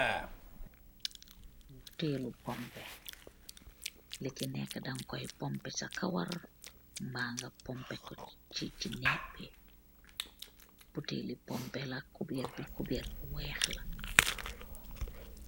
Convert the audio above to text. Butali pompeh, luchi nehkek dang koui pompeh sa karawuh mba nga pompeh ko ce nehgeih bi, butali pompeh la, kubeer bi kubeer bu weeah laa.